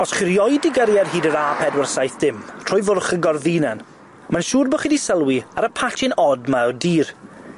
Os chi rioed 'di gyrru ar hyd yr a pedwar saith dim, trwy Fwrch y Gorddianan, mae'n siŵr bo' chi 'di sylwi ar y patchyn od 'ma o dir